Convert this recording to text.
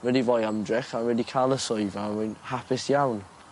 wedi roi ymdrech a wedi ca'l y swydd a rwy'n hapus iawn.